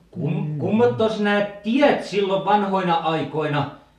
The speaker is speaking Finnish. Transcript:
- kummottoos nämä tiet silloin vanhoina aikoina